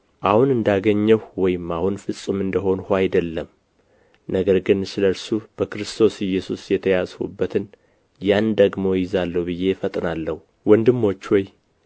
አሁን እንዳገኘሁ ወይም አሁን ፍጹም እንደ ሆንሁ አይደለም ነገር ግን ስለ እርሱ በክርስቶስ ኢየሱስ የተያዝሁበትን ያን ደግሞ እይዛለሁ ብዬ እፈጥናለሁ ወንድሞች ሆይ